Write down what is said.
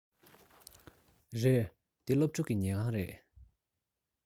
རེད འདི སློབ ཕྲུག གི ཉལ ཁང རེད